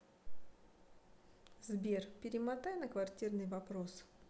сбер перемотай на квартирный вопрос